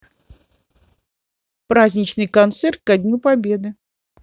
праздничный концерт ко дню победы